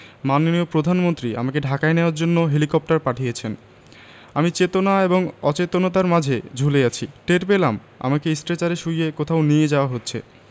মাননীয় প্রধানমন্ত্রী আমাকে ঢাকায় নেওয়ার জন্য হেলিকপ্টার পাঠিয়েছেন আমি চেতনা এবং অচেতনতার মাঝে ঝুলে আছি টের পেলাম আমাকে স্ট্রেচারে শুইয়ে কোথাও নিয়ে যাওয়া হচ্ছে